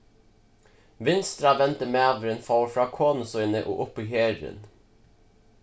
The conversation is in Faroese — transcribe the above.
vinstravendi maðurin fór frá konu síni og upp í herin